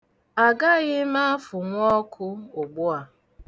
Agaghị m afunwu ọkụ ugbu a.